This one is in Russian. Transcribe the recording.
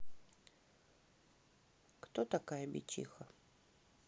кто такая бичиха